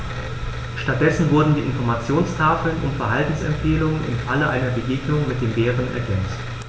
Stattdessen wurden die Informationstafeln um Verhaltensempfehlungen im Falle einer Begegnung mit dem Bären ergänzt.